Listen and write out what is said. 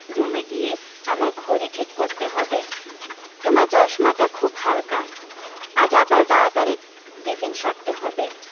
রুমে গিয়ে আমার ঘড়ি ঠিক করতে হবে তোমার চশমাটা খুব হালকা আজ আবার তাড়াতাড়ি টিফিন সারতে হবে